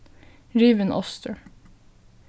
rivin ostur